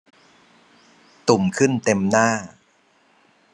ตุ่มขึ้นเต็มหน้า